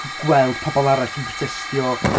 G- gweld pobl arall yn protestio...